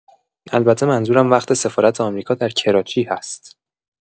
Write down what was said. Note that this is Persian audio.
البته منظورم وقت سفارت آمریکا در کراچی هست.